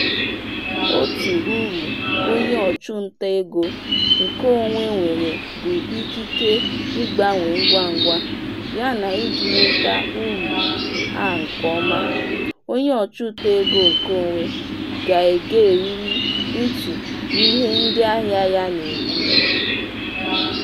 Otu ụrụ onye ọchụnta ego nkeonwe nwere bụ ikike ịgbanwe ngwa ngwa, yana iji nweta uru a nke ọma, onye ọchụnta ego nkeonwe ga-egerịrị ntị n'ihe ndịahịa ya na-ekwu.